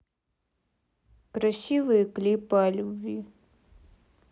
красивые клипы о любви